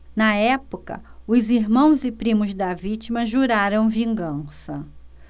na época os irmãos e primos da vítima juraram vingança